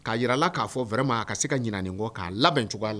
K'a jira la k'a fɔ wɛrɛma ma a ka se ka ɲin nin kɔ k'a labɛn cogoya a la